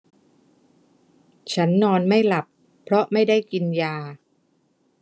ฉันนอนไม่หลับเพราะไม่ได้กินยา